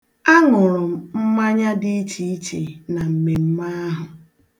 Aṅụrụ m mmanya dị iche iche na mmemme ahụ.